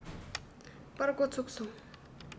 པར སྒོ ཚུགས སོང